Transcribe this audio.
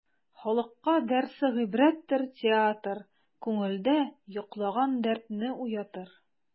Халыкка дәрсе гыйбрәттер театр, күңелдә йоклаган дәртне уятыр.